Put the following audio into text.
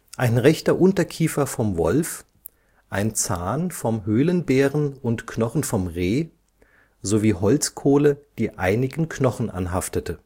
ein rechter Unterkiefer vom Wolf, ein Zahn vom Höhlenbären und Knochen vom Reh, sowie Holzkohle, die einigen Knochen anhaftete